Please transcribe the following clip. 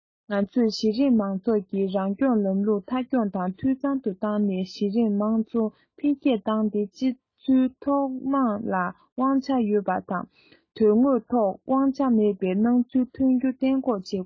ང ཚོས གཞི རིམ མང ཚོགས ཀྱི རང སྐྱོང ལམ ལུགས མཐའ འཁྱོངས དང འཐུས ཚང དུ བཏང ནས གཞི རིམ དམངས གཙོ འཕེལ རྒྱས བཏང སྟེ ཕྱི ཚུལ ཐོག མི དམངས ལ དབང ཆ ཡོད པ དང དོན དངོས ཐོག དབང ཆ མེད པའི སྣང ཚུལ ཐོན རྒྱུ གཏན འགོག བྱེད དགོས